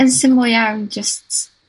Yn syml iawn jyst